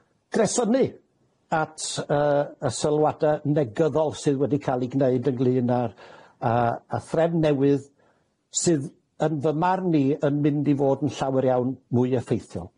gresynu at yy y sylwade negyddol sydd wedi ca'l 'u gneud ynglŷn â'r yy- â threfn newydd sydd yn fy marn i yn mynd i fod yn llawer iawn mwy effeithiol.